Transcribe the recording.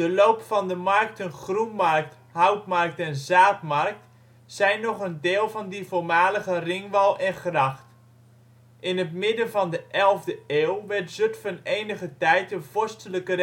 loop van de markten Groenmarkt, Houtmarkt en Zaadmarkt zijn nog een deel van die voormalige ringwal en gracht. In het midden van de 11e eeuw werd Zutphen enige tijd een vorstelijke